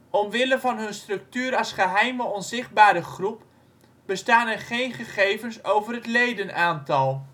Omwille van hun structuur als geheime onzichtbare groep, bestaan er geen gegevens over het ledenaantal